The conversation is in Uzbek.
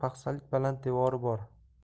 paxsalik baland devori bor